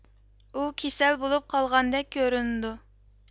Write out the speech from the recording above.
ئۇ كېسەل بولۇپ قالغاندەك كۆرۈنىدۇ